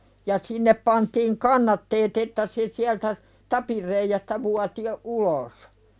ja sinne pantiin kannatteet että se sieltä tapin reiästä vuoti jo ulos